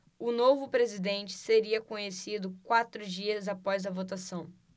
o novo presidente seria conhecido quatro dias após a votação